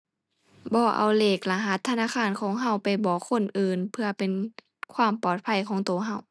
บ่เอาเลขรหัสธนาคารของเราไปบอกคนอื่น เพื่อเป็นความปลอดภัยของเราเรา